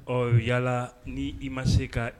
Ɔ yala ni i ma se ka